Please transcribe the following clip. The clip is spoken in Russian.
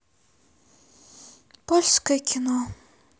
польское кино